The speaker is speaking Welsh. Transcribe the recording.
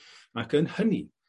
Ac yn hynny